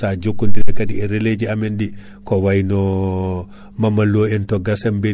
sa jokkodire kaadi e relai ji amen ɗi ko wayno Mamadou Lo en to Gassambiri